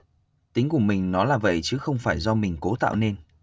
tính của mình nó là vậy chứ không phải do mình cố tạo nên